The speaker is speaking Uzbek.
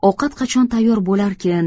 ovqat qachon tayyor bo'larkin